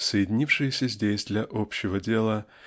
соединившиеся здесь для общего дела